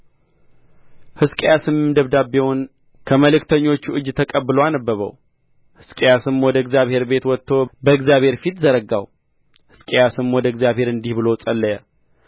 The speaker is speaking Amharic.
ሕዝቅያስም ደብዳቤውን ከመልእክተኞች እጅ ተቀብሎ አነበበው ሕዝቅያስም ወደ እግዚአብሔር ቤት ወጥቶ በእግዚአብሔር ፊት ዘረጋው ሕዝቅያስም ወደ እግዚአብሔር እንዲህ ብሎ ጸለየ